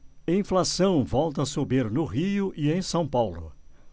inflação volta a subir no rio e em são paulo